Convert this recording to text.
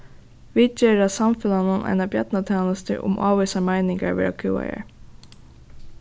vit gera samfelagnum eina bjarnartænastu um ávísar meiningar verða kúgaðar